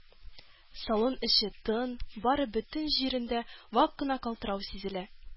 Салон эче тын, бары бөтен җирендә вак кына калтырау сизелә